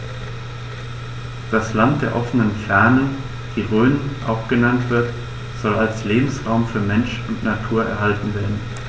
Das „Land der offenen Fernen“, wie die Rhön auch genannt wird, soll als Lebensraum für Mensch und Natur erhalten werden.